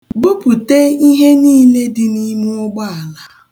Bupute ihe dị n'ime ụgbọala.